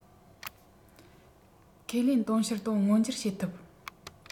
ཁས ལེན དུང ཕྱུར ༡༠༠༠ མངོན འགྱུར བྱེད ཐུབ